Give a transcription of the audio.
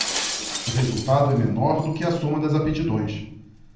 o resultado é menor do que a soma das aptidões